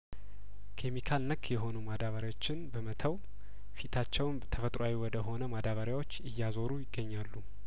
ኬሚካል ነክ የሆኑ ማዳበሪያዎችን በመተው ፊታቸውን ተፈጥሮአዊ ወደ ሆነ ማዳበሪያዎች እያዞሩ ይገኛሉ